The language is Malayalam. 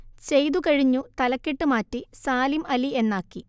ചെയ്തു കഴിഞ്ഞു തലക്കെട്ട് മാറ്റി സാലിം അലി എന്നാക്കി